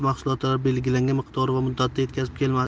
mahsulotlari belgilangan miqdor va muddatda yetib kelmasdi